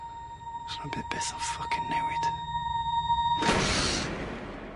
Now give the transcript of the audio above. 'Sna'm byd byth yn ffycin newid.